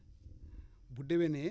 bu déwénee